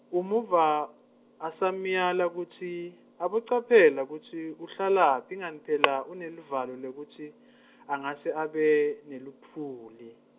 Umuva, asamyala kutsi, abe caphela kutsi, uhlalaphi ingani phela, uneluvalo lekutsi , angase abe, nelutfuli.